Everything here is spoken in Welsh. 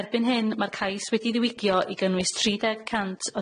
Erbyn hyn ma'r cais wedi'i ddiwigio i gynnwys tri deg cant